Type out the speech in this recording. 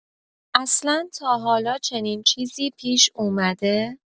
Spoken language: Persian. اصلا تا حالا چنین چیزی پیش اومده؟